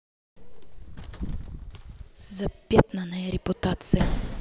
запятнанная репутация